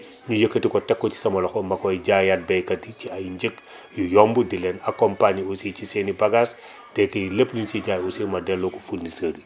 ñu yëkkati ko teg ko ci sama loxo ma koy jaayaat baykat yi ci ay njëg yu yomb di leen accompagné aussi ci seen i bagages te it lépp lu ñu si jaay aussi ma delloo ko fournisseurs yi